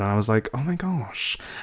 And I was like, oh my gosh.